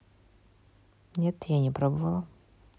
нет я не пробовала